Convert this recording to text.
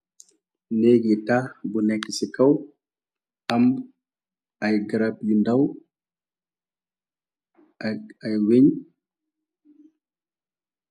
Néggi tax bu nekk ci kaw amb ay grab yu ndaw ak ay wéñ.